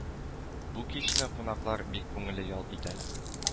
Бу кичне кунаклар бик күңелле ял итәләр